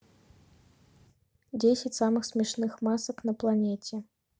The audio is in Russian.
десять самых смешных масок на планете